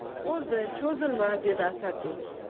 bo'ldi cho'zilma dedi asadbek